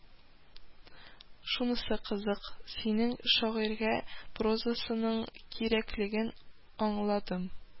Шунысы кызык: синең «Шагыйрьгә прозаның кирәклеген аңладым»